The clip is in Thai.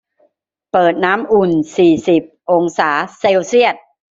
เปิดน้ำอุ่นสี่สิบองศาเซลเซียส